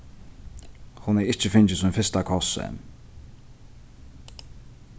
hon hevði ikki fingið sín fyrsta koss enn